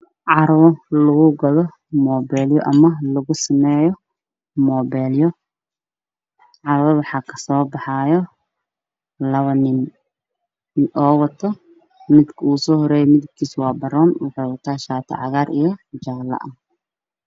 Carwo Lagu gado mobelyo ama Lagu sameyo mobelyo carwada wax kaso baxayo labo nin o wato midka ugu so horeeyo midibkisa wa baroom waxu wata shati jaale